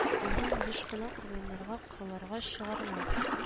Аннан еш кына урманнарга кырларга чыгарыла